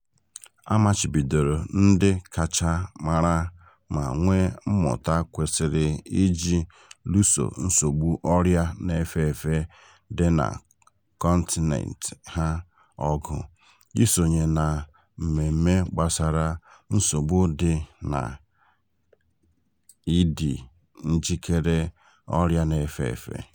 A machibidoro ndị kacha mara ma nwee mmụta kwesiri iji lụso nsogbu ọrịa na-efe efe dị na kọntinent ha ọgụ isonye na mmemme gbasara "nsogbu dị n'idi njikere ọrịa na-efe efe"